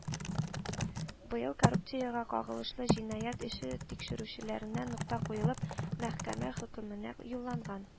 Быел коррупциягә кагылышлы җинаять эше тикшерүләренә нокта куелып, мәхкәмә хөкеменә юлланган